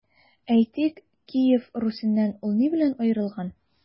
Әйтик, Киев Русеннан ул ни белән аерылган?